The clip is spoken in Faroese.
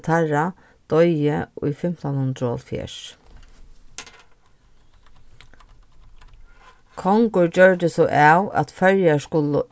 teirra doyði í fimtan hundrað og hálvfjerðs kongur gjørdi so av at føroyar skulu